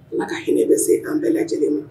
Ala ka hinɛ bɛ se' an bɛɛ lajɛ lajɛlen ma